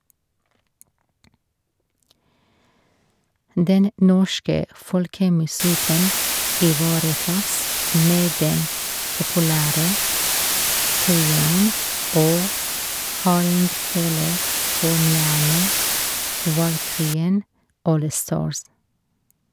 Den norske folkemusikken ivaretas med den populære trioen og hardingfelefornyerne Valkyrien Allstars.